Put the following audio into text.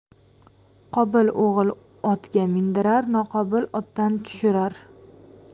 qobil o'g'il otga mindirar noqobil otdan tushirar